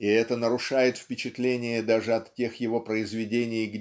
И это нарушает впечатление даже от тех его произведений